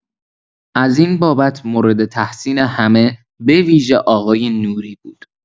از این بابت مورد تحسین همه، به‌ویژه آقای نوری بود.